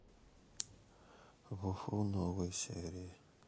вуфу новые серии